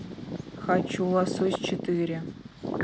хочу лосось четыре